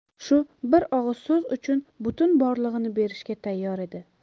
shu bir og'iz so'z uchun butun borlig'ini berishga tayyor edi